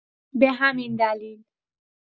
به همین دلیل